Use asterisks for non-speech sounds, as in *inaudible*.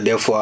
*hesitation* *hesitation*